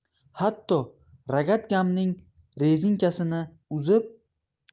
hatto rogatkamning rezinkasini uzib